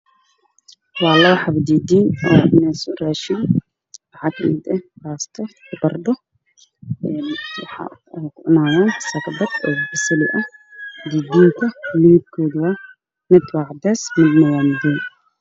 Waa labo xabo diin diin oo cunayso raashin waxaa ka mid ah baasto iyo baradho waxa ayna ku cunaayaan sakbad oo basali ah diin diinka midabkiisa midna waa cadays midna waa madow.